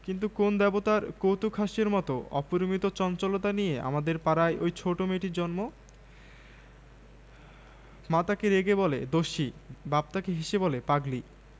এই বাদলায় আমাদের পাড়ার মেয়েটি বারান্দায় রেলিঙ ধরে চুপ করে দাঁড়িয়ে তার বোন এসে তাকে বললে মা ডাকছে সে কেবল সবেগে মাথা নাড়ল তার বেণী দুলে উঠল